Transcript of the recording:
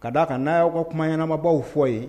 Ka d daa kan n'aaw ka kuma ɲɛnaanamabagaw fɔ ye